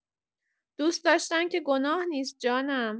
دوست‌داشتن که گناه نیست جانم.